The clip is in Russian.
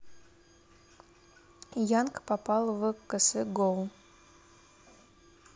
янг попал в кс гоу